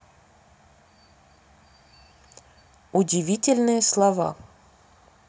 удивительные слова